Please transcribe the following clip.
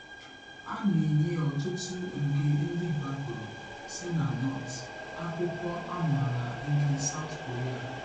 A na enye ọtụtụ nke ndị gbapụrụ si na North akwụkwọ amaala nke South Korea.